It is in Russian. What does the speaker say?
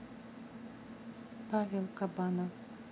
павел кабанов